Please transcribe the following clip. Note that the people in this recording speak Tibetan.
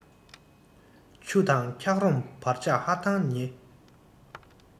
ཆུ དང འཁྱག རོམ བར ཐག ཧ ཅང ཉེ